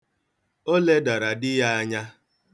O ledara di ya anya.